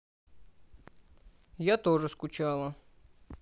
я тоже скучала